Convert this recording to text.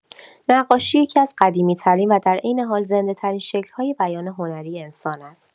نقاشی یکی‌از قدیمی‌ترین و در عین حال زنده‌ترین شکل‌های بیان هنری انسان است.